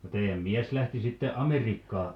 no teidän mies lähti sitten Amerikkaan